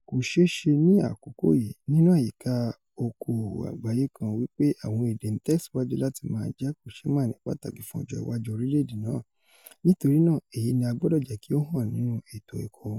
Kò ṣ̵eé ṣẹ́ ní àkókò yìí, nínú àyíká oko-òwò àgbáyé kan, wí pé àwọn èdè ńtẹ̀síwájú láti máa jẹ́ kòṣeémáàní pàtàkí fún ọjọ́ iwájú orílẹ̀-èdè náà, nítorínáà èyí ní a gbọ̀dọ̀ jẹ́kí ó hàn nínú ètò ẹ̀kọ́.